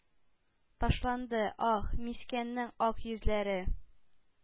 Ташланды, ах! Мискинәнең ак йөзләре